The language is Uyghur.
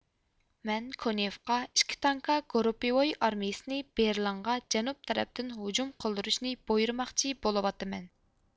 مەن كونېفقا ئىككى تانكا گۇرۇپپىۋوي ئارمىيىسىنى بېرلىنغا جەنۇب تەرەپتىن ھۇجۇم قىلدۇرۇشنى بۇيرۇماقچى بولۇۋاتىمەن